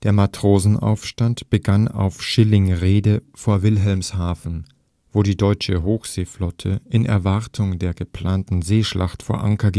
Matrosenaufstand begann auf Schillig-Reede vor Wilhelmshaven, wo die deutsche Hochseeflotte in Erwartung der geplanten Seeschlacht vor Anker